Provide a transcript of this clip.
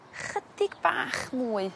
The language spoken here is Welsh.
chydig bach mwy